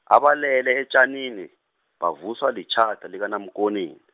abalele etjanini, bavuswa litjhada likaNaMkoneni.